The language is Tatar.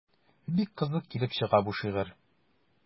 Бик кызык килеп чыга бу шигырь.